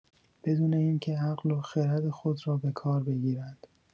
بدون اینکه عقل و خرد خود را بکار بگیرند.